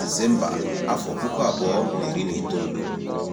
Disemba, 2011.